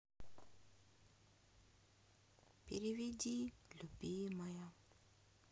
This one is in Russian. переведи любимая